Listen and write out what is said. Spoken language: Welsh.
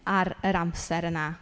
Ar yr amser yna.